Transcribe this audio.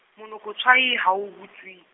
monokotshwai ha o butswe.